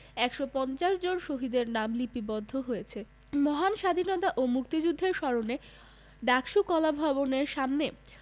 ১৫০ জন শহীদের নাম লিপিবদ্ধ হয়েছে মহান স্বাধীনতা ও মুক্তিযুদ্ধের স্মরণে ডাকসু কলাভবনের সামনে